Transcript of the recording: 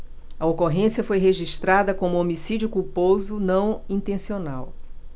a ocorrência foi registrada como homicídio culposo não intencional